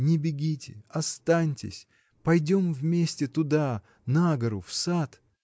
Не бегите, останьтесь, пойдем вместе туда, на гору, в сад.